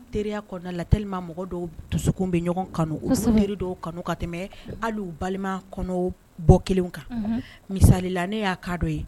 Teriya kɔnɔna laelililima mɔgɔ dɔw dusukun bɛ ɲɔgɔn kanu sri dɔw kanu ka tɛmɛ haliu balima kɔnɔ bɔ kelen kan misalila ne y'a ka dɔ ye